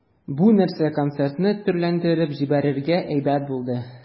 Бу нәрсә концертны төрләндереп җибәрергә әйбәт булды.